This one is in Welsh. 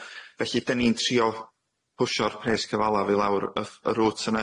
Felly 'den ni'n trio pwshio'r pres cyfalaf i lawr y f- y route yne.